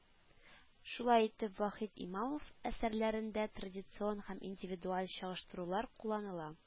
Шулай итеп, Вахит Имамов әсәрләрендә традицион һәм индивидуаль чагыштырулар кулланыла